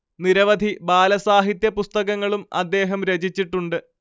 നിരവധി ബാല സാഹിത്യ പുസ്തകങ്ങളും അദ്ദേഹം രചിച്ചിട്ടുണ്ട്